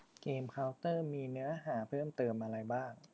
เกมเค้าเตอร์มีเนื้อหาเพิ่มเติมอะไรบ้าง